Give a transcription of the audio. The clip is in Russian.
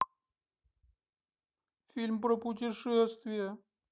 фильм про путешествия